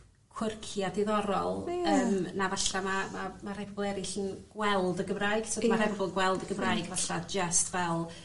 quirky a diddorol... Ie. ...yym na falla ma' ma' ma' rhai pobol eryll yn gweld y Gymraeg t'od ma'... Ia. ...rhai pobol gweld y Gymraeg falla jyst fel